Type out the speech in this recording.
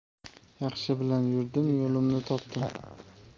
yaxshi bilan yurdim yo'limni topdim